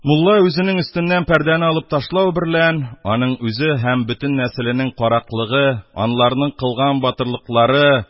Мулла үз өстеннән пәрдәне алып ташлау берлән, аның үзе һәм бөтен нәселенең караклыгы, анларның кылган батырлыклары,